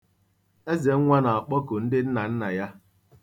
Ezenwa na-akpọku ndị nna nna ya .